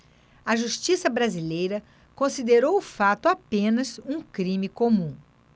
a justiça brasileira considerou o fato apenas um crime comum